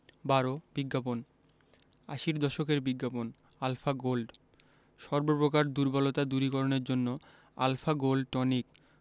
১২ বিজ্ঞাপন আশির দশকের বিজ্ঞাপন আলফা গোল্ড সর্ব প্রকার দুর্বলতা দূরীকরণের জন্য আল্ ফা গোল্ড টনিক